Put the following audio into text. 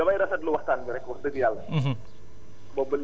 waaw waaw doon damay rafetlu waxtaan bi rek wax dëgg yàlla